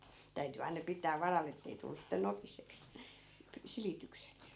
täytyi aina pitää varalla että ei tullut sitten nokiseksi silitykset